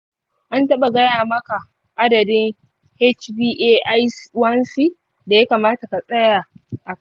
an taɓa gaya maka adadin hba1c da ya kamata ka tsaya a kai?